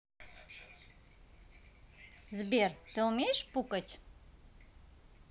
сбер ты умеешь пукать